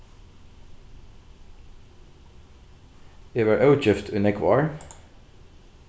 eg var ógift í nógv ár